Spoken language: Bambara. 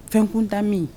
Fɛnkuntan min